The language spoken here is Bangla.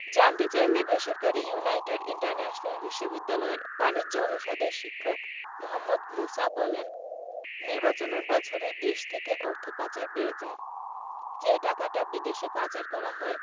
জানতে চাইলে বেসরকারি ইউনাইটেড ইন্টারন্যাশনাল বিশ্ববিদ্যালয়ের বাণিজ্য অনুষদের শিক্ষক মোহাম্মদ মুসা বলেন নির্বাচনের বছরে দেশ থেকে অর্থ পাচার বেড়ে যায় যে টাকাটা বিদেশে পাচার করা হয়